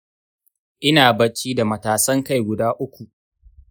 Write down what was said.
ina bacci da matasan kai guda uku.